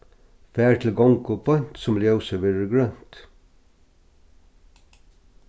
far til gongu beint sum ljósið verður grønt